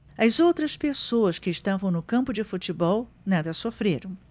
as outras pessoas que estavam no campo de futebol nada sofreram